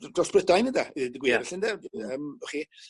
dros Brydain ynde i deud y gwir... Ia. ... felly ynde? Yym wch chi